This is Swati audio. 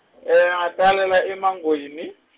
ngatalelwa Emangweni.